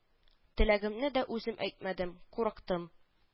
Теләгемне дә үзем әйтмәдем, курыктым